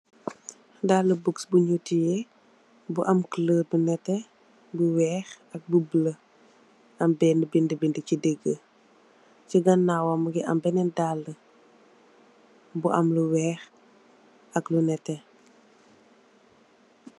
Dalli bux buñu tiyeh bu am culor bu neteh lu wekh ak lu bulo am bena bindi bindi si diga si ganawam mungi am benen dall bu am lu wekh ak lu netteh.